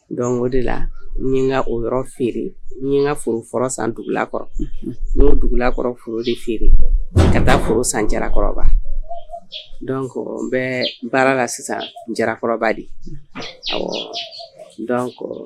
Don o de la n n ka o yɔrɔ feere n n ka forofɔlɔ san dugukɔrɔ n'o dugulakɔrɔ foro de feere ka taa foro san jarakɔrɔbakɔrɔ bɛ baara la sisan jarakɔrɔ dekɔrɔ